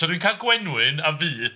So dwi'n cael gwenwyn a fu.